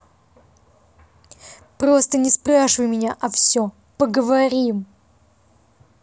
просто не спрашивай меня а все поговорим